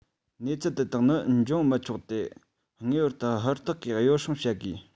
གནས ཚུལ དེ དག ནི འབྱུང མི ཆོག སྟེ ངེས པར དུ ཧུར ཐག གིས ཡོ བསྲང བྱེད དགོས